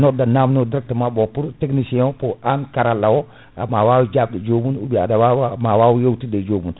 nodda namdo directemenet bon pour technicien o pour an karalla o ma waw jabde jomum ou bien aɗa wawa ma waw yewtitde e jomum